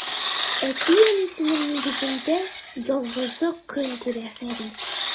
Әти-әнисенең нигезендә ялгызы көн күрә Фәрид.